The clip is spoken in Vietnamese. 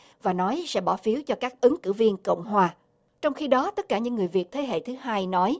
và nói sẽ bỏ phiếu cho các ứng cử viên cộng hòa trong khi đó tất cả những người việt thế hệ thứ hai nói